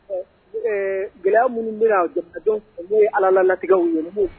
Gɛlɛya minnu bɛ n' alala latigɛw ye